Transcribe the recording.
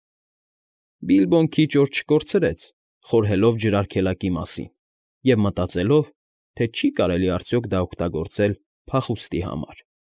Բիլբոն քիչ օր չկորցրեց՝ խորհելով ջրարգելակի մասին և մտածելով, թե չի՞ կարելի արդյոք դա օգտագործել փախուստի համար։